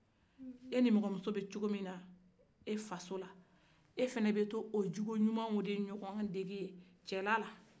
e nimɔgɔmuso bɛ cogo mina e fasola e fana de bɛ taa o ko cogo ɲuman de ɲɔgɔn dege i cɛlala